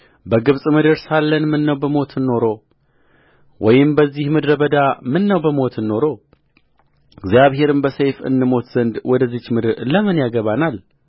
በግብፅ ምድር ሳለን ምነው በሞትን ኖሮ ወይም በዚህ ምድረ በዳ ምነው በሞትን ኖሮ እግዚአብሔርም በሰይፍ እንሞት ዘንድ ወደዚች ምድር ለምን ያገባናል